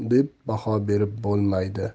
deb baho berib bo'lmaydi